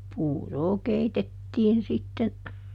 puuroa keitettiin sitten